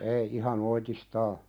ei ihan oitis